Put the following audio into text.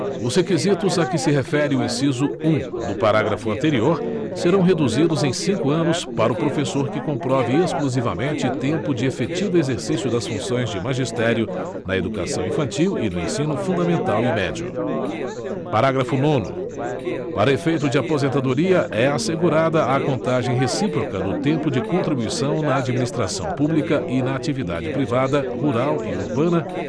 os requisitos a que se refere o inciso um do parágrafo anterior serão reduzidos em cinco anos para o professor que comprove exclusivamente tempo de efetivo exercício das funções de magistério na educação infantil e no ensino fundamental e médio parágrafo nono para efeito de aposentadoria é assegurada a contagem recíproca do tempo de contribuição na administração pública e na atividade privada rural e urbana